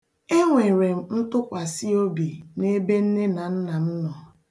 Enwere m ntụkwasịobi n'ebe nne na nna m nọ.